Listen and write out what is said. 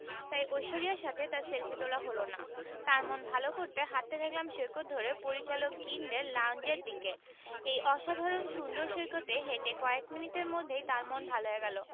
তাই ঐশ্বরিয়ার সাথে তার সেলফি তোলা হলো না তার মন ভালো করতে হাঁটতে থাকলাম সৈকত ধরে পরিচালক গিল্ডের লাউঞ্জের দিকে এই অসাধারণ সুন্দর সৈকতে হেঁটে কয়েক মিনিটের মধ্যেই তার মন ভালো হয়ে গেল